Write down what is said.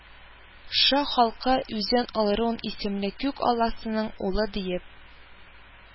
Ша халкы үзен олорун исемле күк алласының улы дип